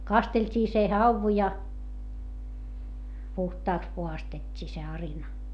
kasteltiin se havu ja puhtaaksi puhdistettiin se arina